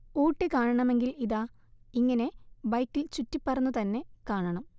ഊട്ടി കാണണമെങ്കിൽ ഇതാ, ഇങ്ങിനെ ബൈക്കിൽ ചുറ്റിപ്പറന്നു തന്നെ കാണണം